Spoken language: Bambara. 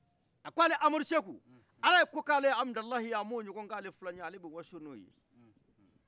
a ko ale amadu seku alaye ko k'aleye a m'o ɲɔgɔnk'ale filanye